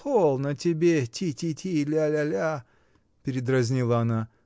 — Полно тебе: ти-ти-ти, ля-ля-ля! — передразнила она.